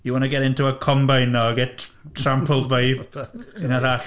You wanna get into a combine or get trampled by... un arall.